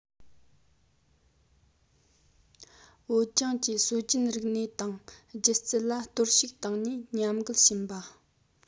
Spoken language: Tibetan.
བོད ལྗོངས ཀྱི སྲོལ རྒྱུན རིག གནས དང སྒྱུ རྩལ ལ གཏོར བཤིག བཏང ནས ཉམས རྒུད ཕྱིན པ